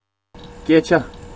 སྐད ཆ